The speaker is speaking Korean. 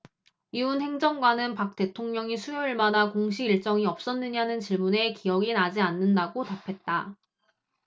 윤 행정관은 박 대통령이 수요일마다 공식일정이 없었느냐는 질문에 기억이 나지 않는다고 답했다